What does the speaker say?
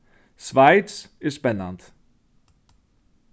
sveis er spennandi